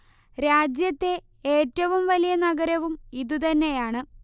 രാജ്യത്തെ ഏറ്റവും വലിയ നഗരവും ഇത് തന്നെയാണ്